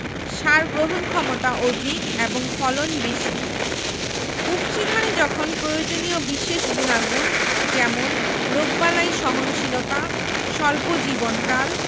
সার গ্রহণক্ষমতা অধিক এবং ফলন বেশি উফশী ধানে যখন প্রয়োজনীয় বিশেষ গুনাগুণ যেমন রোগবালাই সহনশীলতা স্বল্প জীবনকাল